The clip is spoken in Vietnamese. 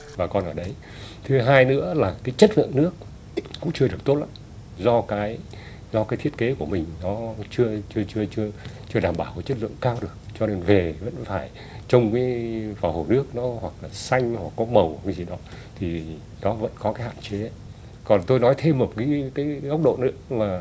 bà con ở đấy thứ hai nữa là cái chất lượng nước cũng chưa được tốt lắm do cái do cái thiết kế của mình nó chưa chưa chưa chưa chưa đảm bảo chất lượng cao được cho nên về vẫn phải trông cái vỏ hộp nước nó hoặc là xanh hoặc có màu gì gì đó thì nó vẫn có cái hạn chế còn tôi nói thêm một kí kí góc độ nữa là